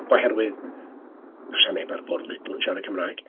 Oherwydd, does 'na neb ar Fwrdd Lidl yn siarad Cymraeg.